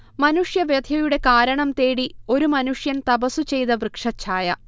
മനുഷ്യവ്യഥയുടെ കാരണംതേടി ഒരു മനുഷ്യൻ തപസ്സുചെയ്ത വൃക്ഷഛായ